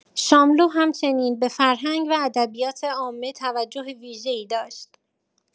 شاملو همچنین به فرهنگ و ادبیات عامه توجه ویژه‌ای داشت.